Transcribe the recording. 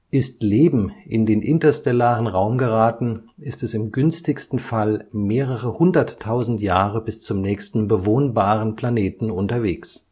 Ist Leben in den interstellaren Raum geraten, ist es im günstigsten Fall mehrere hunderttausend Jahre bis zum nächsten bewohnbaren Planeten unterwegs